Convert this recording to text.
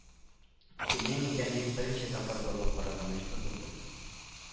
Килми микән дип берничә тапкыр борылып карарга мәҗбүр булды